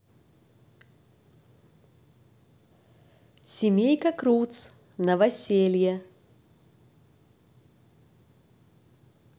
семейка крудс новоселье